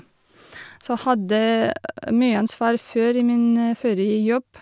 Så hadde mye ansvar før i min forrige jobb.